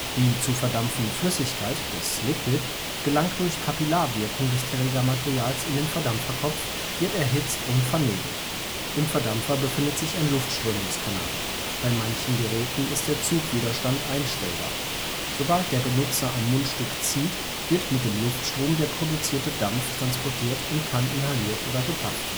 Die zu verdampfende Flüssigkeit, das Liquid, gelangt durch Kapillarwirkung des Trägermaterials in den Verdampferkopf, wird erhitzt und vernebelt. Im Verdampfer befindet sich ein Luftströmungskanal. Bei manchen Geräten ist der Zugwiderstand einstellbar. Sobald der Benutzer am Mundstück zieht, wird mit dem Luftstrom der produzierte Dampf transportiert und kann inhaliert oder gepafft